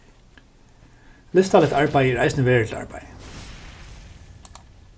listarligt arbeiði er eisini veruligt arbeiði